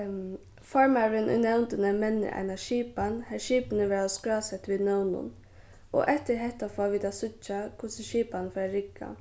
formaðurin í nevndini mennir eina skipan har skipini verða skrásett við nøvnum og eftir hetta fáa vit at síggja hvussu skipanin fer at rigga